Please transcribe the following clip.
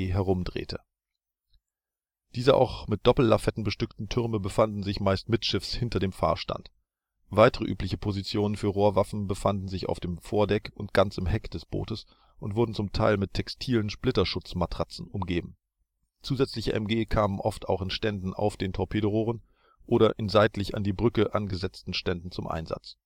herumdrehte. Diese auch mit Doppellafetten bestückten Türme befanden sich meist mittschiffs hinter dem Fahrstand. Weitere übliche Positionen für Rohrwaffen befanden sich auf dem Vordeck und ganz im Heck des Bootes und wurden zum Teil mit textilen Splitterschutzmatratzen umgeben. Zusätzliche MG kamen oft auch in Ständern auf den Torpedorohren oder in seitlich an die Brücke angesetzten Ständen zum Einsatz